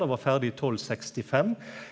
det var ferdig i tolvsekstifem.